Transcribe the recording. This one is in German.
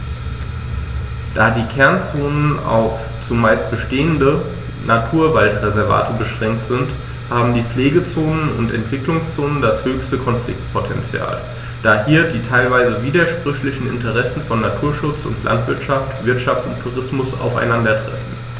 Da die Kernzonen auf – zumeist bestehende – Naturwaldreservate beschränkt sind, haben die Pflegezonen und Entwicklungszonen das höchste Konfliktpotential, da hier die teilweise widersprüchlichen Interessen von Naturschutz und Landwirtschaft, Wirtschaft und Tourismus aufeinandertreffen.